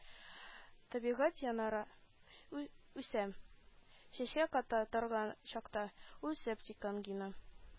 Табигать яңара,ү үсә, чәчәк ата торган чакта, ул септик ангина